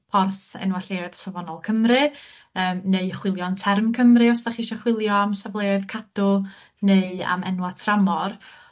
Porth Enwa' Lleoedd Safonol Cymru yym neu chwilio'n Term Cymru os 'dach chi isio chwilio am safleoedd cadw neu am enwa' tramor.